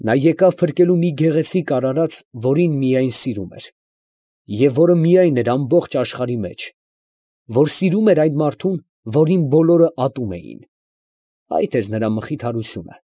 Նա եկավ փրկելու մի գեղեցիկ արարած, որին միայն սիրում էր, և որը միայն էր ամբողջ աշխարհի մեջ, որ սիրում էր այն մարդուն, որին բոլորը ատում էին։ ֊ Այդ էր նրա մխիթարությունը։